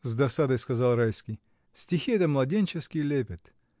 — с досадой сказал Райский, — стихи — это младенческий лепет.